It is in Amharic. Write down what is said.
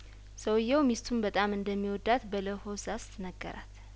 ሰውዬው ሚስቱን በጣም እንደሚወዳት በለሆሳ ስነገራት